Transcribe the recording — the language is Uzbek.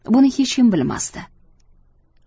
buni hech kim bilmasdi